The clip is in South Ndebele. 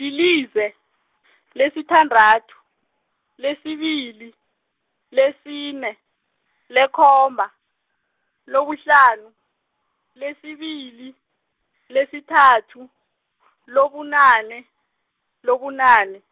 lilize , lesithandathu, lesibili, lesine, lekhomba, lobuhlanu, lesibili, lesithathu , lobunane, lobunane.